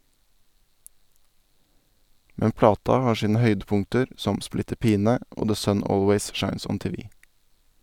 Men plata har sine høydepunkter, som «Splitter pine» og «The Sun Always Shines on TV».